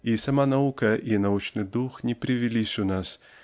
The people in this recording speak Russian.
А сама наука и научный дух не привились у нас